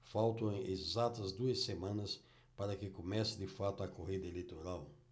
faltam exatas duas semanas para que comece de fato a corrida eleitoral